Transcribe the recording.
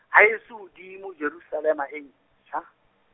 haeso hodimo Jerusalema e, ntjha.